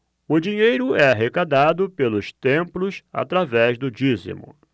o dinheiro é arrecadado pelos templos através do dízimo